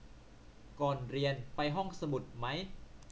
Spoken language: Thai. ก่อนเรียนไปห้องสมุดมั้ย